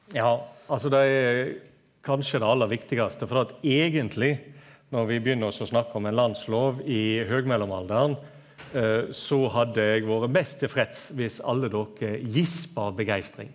ja altså det er kanskje det aller viktigaste fordi at eigentleg når vi begynner og så snakke om ein landslov i høgmellomalderen så hadde eg vore mest tilfreds viss alle dykk gispa av begeistring.